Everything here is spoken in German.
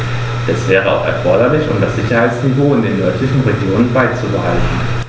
Das wäre auch erforderlich, um das Sicherheitsniveau in den nördlichen Regionen beizubehalten.